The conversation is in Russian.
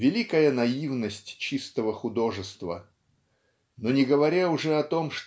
великая наивность чистого художества. Но не говоря уже о том